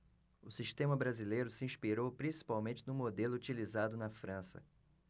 o sistema brasileiro se inspirou principalmente no modelo utilizado na frança